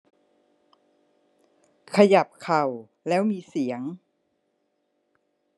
ขยับเข่าแล้วมีเสียง